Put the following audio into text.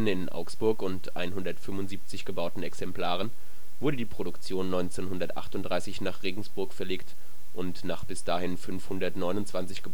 in Augsburg und 175 gebauten Exemplaren wurde die Produktion 1938 nach Regensburg verlegt und nach bis dahin 529